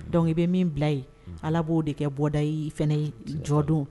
Donc i bɛ min bila ye , ala bo de kɛ bɔda yi fana ye jɔ don.